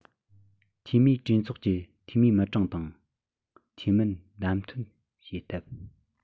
འཐུས མིའི གྲོས ཚོགས ཀྱི འཐུས མིའི མི གྲངས དང འཐུས མི བདམས ཐོན བྱེད ཐབས